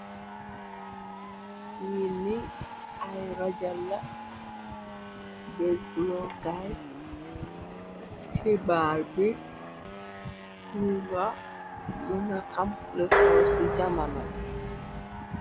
Yi ni ay rojal la deglogaay xibaar bi nuga muna xam lë kew ci jamanab.